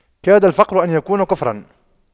كاد الفقر أن يكون كفراً